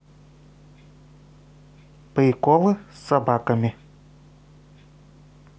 приколы с собаками